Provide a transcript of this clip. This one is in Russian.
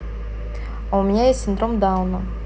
а у меня есть синдром дауна